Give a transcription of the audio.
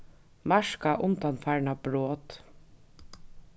marka undanfarna brot